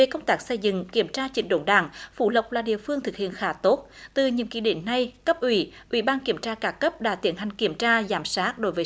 về công tác xây dựng kiểm tra chỉnh đốn đảng phú lộc là địa phương thực hiện khá tốt từ nhiệm kỳ đến nay cấp ủy ủy ban kiểm tra các cấp đã tiến hành kiểm tra giám sát đối với